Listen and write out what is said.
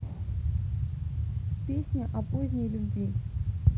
песня о поздней любви